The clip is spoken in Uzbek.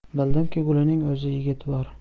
bildimki gulining o'z yigiti bor